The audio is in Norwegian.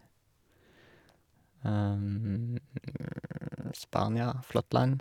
Spania, flott land.